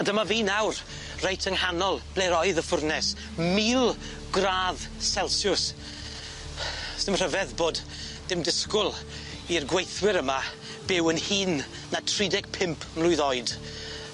A dyma fi nawr reit yng nghanol ble roedd y ffwrnes mil gradd celsiws. Sdim rhyfedd bod dim disgwl i'r gweithwyr yma byw yn hŷn na tri deg pump mlwydd oed.